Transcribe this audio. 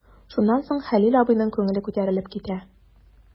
Шуннан соң Хәлил абыйның күңеле күтәрелеп китә.